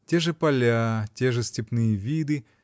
Те же поля, те же степные виды